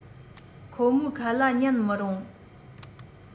ཁོ མོའི ཁ ལ ཉན མི རུང